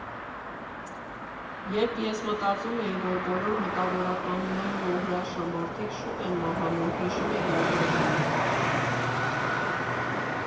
Երբ ես մտածում էի, որ բոլոր մտավորականներն ու հրաշամարդիկ շուտ են մահանում, հիշում էի Ազնավուրին։